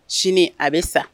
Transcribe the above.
Sini a bɛ sa